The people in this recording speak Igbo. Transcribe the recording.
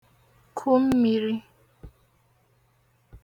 ku mmīrī